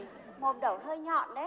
mồm đẩu hơi nhọn đấy